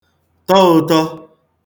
tọ ụ̄tọ̄